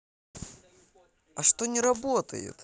а что не работает